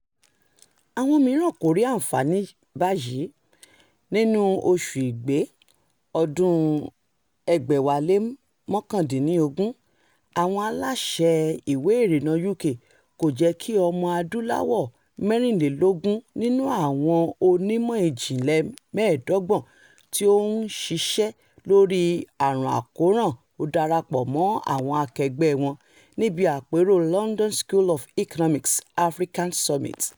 Àwọn mìíràn kò rí àǹfààní báyìí. Nínúu oṣùu Igbe ọdún-un 2019, àwọn aláṣẹ ìwé ìrìnnà UK kò jẹ́ kí ọmọ adúláwọ̀ 24 nínúu àwọn onímọ̀ ìjìnlẹ̀ 25 tí ó ń ṣiṣẹ́ lóríi àrùn àkóràn ó darapọ̀ mọ́ àwọn akẹgbẹ́ẹ wọn níbi àpérò London School of Economics Africa Summit.